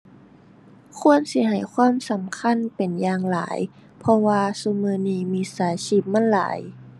ควรสิให้ความสำคัญเป็นอย่างหลาย เพราะว่าซุมื้อนี้มิจฉาชีพมันหลาย